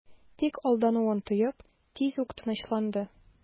Тик алдануын тоеп, тиз үк тынычланды...